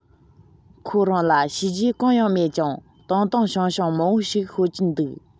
ཁོ རང ལ བྱས རྗེས གང ཡང མེད ཀྱང བཏང བཏང བྱུང བྱུང མང པོ ཞིག ཤོད ཀྱིན འདུག